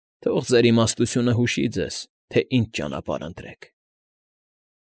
Թող ձեր իմաստությունը հուշի ձեզ, թե ինչ ճանապարհ ընտրեք։